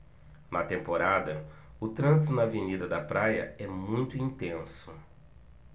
na temporada o trânsito na avenida da praia é muito intenso